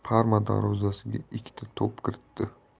darvozasiga ikkita to'p kiritdi